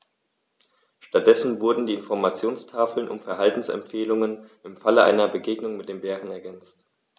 Stattdessen wurden die Informationstafeln um Verhaltensempfehlungen im Falle einer Begegnung mit dem Bären ergänzt.